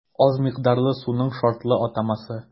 Аз микъдарлы суның шартлы атамасы.